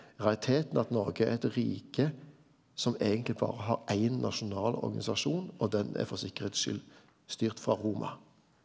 rariteten at Noreg er eit rike som eigentleg berre har éin nasjonal organisasjon og den er for sikkerheits skyld styrt frå Roma.